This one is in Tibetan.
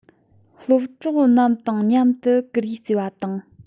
སློ གྲོགས རྣམས དང མཉམ དུ ཀུ རེ རྩེ བ དང